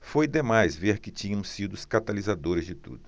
foi demais ver que tínhamos sido os catalisadores de tudo